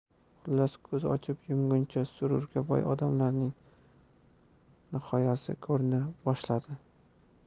xullas ko'z ochib yumguncha sururga boy damlarning nihoyasi ko'rina boshladi